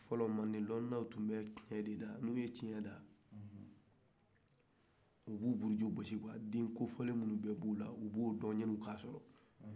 fɔlɔ mande dɔnikɛlaw tun bɛ tiɲɛ de da n'u ye tiɲɛ da u b'u buruju kosi quoi den kofɔlen nin bɛ bɔ ula u b'o dɔn yanni u k'a sɔrɔ